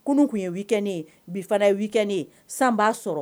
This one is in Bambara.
Kunun tun ye week end ye bi fana ye week end ye san b'a sɔrɔ